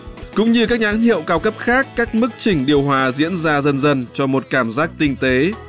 cũng như các nhãn hiệu cao cấp khác cách mức chỉnh điều hòa diễn ra dần dần cho một cảm giác tinh tế